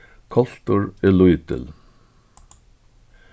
koltur er lítil